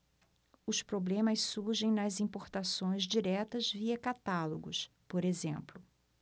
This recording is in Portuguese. os problemas surgem nas importações diretas via catálogos por exemplo